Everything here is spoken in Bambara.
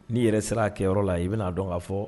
N'i yɛrɛ sera a kɛyɔrɔ la i bɛna'a dɔn ka fɔ